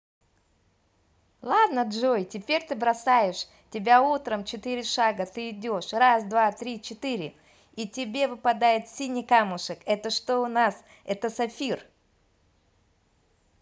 ладно джой теперь ты бросаешь тебя утром четыре шага ты идешь раз два три четыре и тебе выпадает синий камушек это что у нас это сафир